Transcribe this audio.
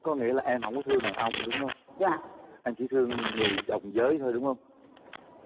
có nghĩa là em hổng có thương đàn ông đúng hông em chỉ thương người đồng giới thôi đúng không